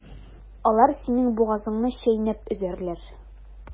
Алар синең бугазыңны чәйнәп өзәрләр.